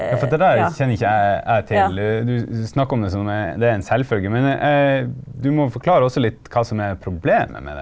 ja for det er der kjenner ikke jeg jeg til eller du du snakker om det som om det er en selvfølge, men du må forklare også litt hva som er problemet med det.